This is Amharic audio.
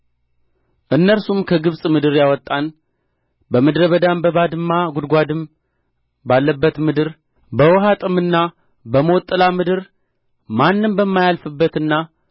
እነርሱም ከግብጽ ምድር ያወጣን በምድረ በዳም በባድማ ግውድጓድም ባለበት ምድር በውኃ ጥምና በሞት ጥላ ምድር ማንም በማያልፍበትና